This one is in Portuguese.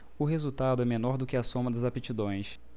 o resultado é menor do que a soma das aptidões